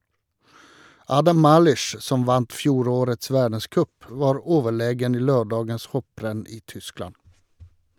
Adam Malysz, som vant fjorårets verdenscup, var overlegen i lørdagens hopprenn i Tyskland.